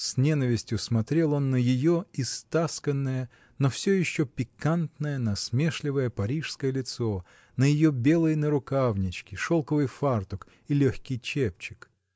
С ненавистью смотрел он на ее истасканное, но все еще "пикантное", насмешливое, парижское лицо, на ее белые нарукавнички, шелковый фартук и легкий чепчик.